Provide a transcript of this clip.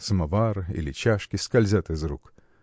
самовар или чашки скользят из рук